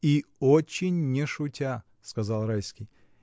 — И очень не шутя, — сказал Райский.